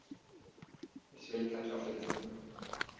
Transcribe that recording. Ich will Kartoffelsuppe.